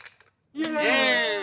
dê